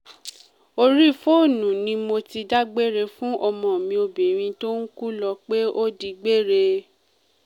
Orí fóònù ni mo ti dágbére fún ọmọ mi obìnrin tó ń kú lo pé ó digbére.